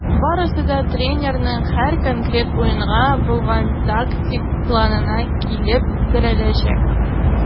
Барысы да тренерның һәр конкрет уенга булган тактик планына килеп терәләчәк.